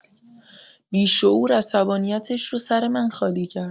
بیشعور عصبانیتش رو سر من خالی کرد.